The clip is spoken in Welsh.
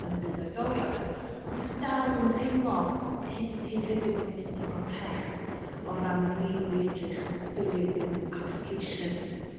Yn y byd oedolion. Ond dwi dal 'im yn teimlo hyd hyd heddiw bo ni'n mynd digon pell o ran rili edrych be' 'di'r application